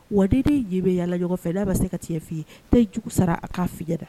Waden de ye bɛ yalala ɲɔgɔnfɛ da bɛ se ka ti f'i ye tɛ yejugu sara a k'a fɔ da